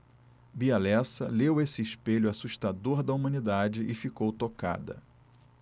bia lessa leu esse espelho assustador da humanidade e ficou tocada